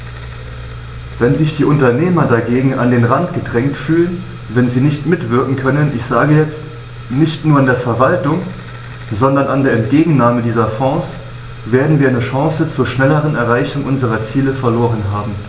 Wenn sich die Unternehmer dagegen an den Rand gedrängt fühlen, wenn sie nicht mitwirken können ich sage jetzt, nicht nur an der Verwaltung, sondern an der Entgegennahme dieser Fonds , werden wir eine Chance zur schnelleren Erreichung unserer Ziele verloren haben.